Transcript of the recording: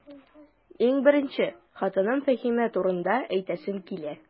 Иң беренче, хатыным Фәһимә турында әйтәсем килә.